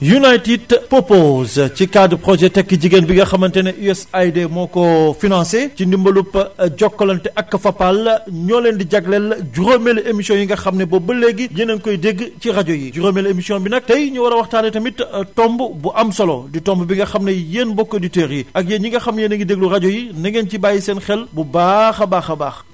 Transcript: United Purpose ci cadre projet tekki jigéen bi nga xamante ne USAID moo ko financé ci dimbalub Jokalante ak Fapal ñoo leen di jagleel juróomeelu émission yi nga xam ne boobu ba léegi yéen a ngi koy dégg ci rajo yi juróomeelu émission bi nag tay ñu war a waxtaanee tamit tomb bu am solo di tomb bi nga xam ne yéen mbokki auditeurs yi ak yéen ñi nga xam ne yéen a ngi déglu rajo yi na ngeen si bàyyi seen xel bu baax a baax a baax